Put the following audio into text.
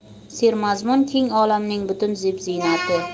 sermazmun keng olamning butun zeb ziynati